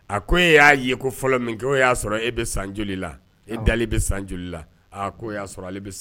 A ko e y'a ye ko fɔlɔ min kɛ o y'a sɔrɔ e bɛ san joli e dalen bɛ joli y'a sɔrɔ bɛ san